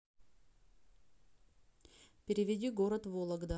переведи город вологда